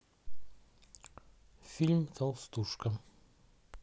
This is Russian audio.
фильм толстушка